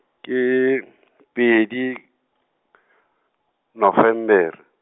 ke pedi , Nofemere.